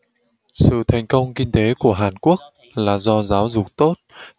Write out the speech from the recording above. sự thành công kinh tế của hàn quốc là do giáo dục tốt